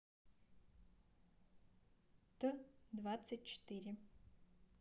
т двадцать четыре